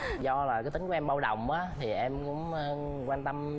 do là cái tính của em bao đồng á thì em cũng quan tâm